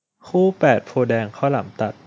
คู่แปดโพธิ์แดงข้าวหลามตัด